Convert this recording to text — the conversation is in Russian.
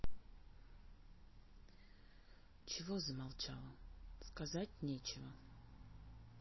чего замолчала сказать нечего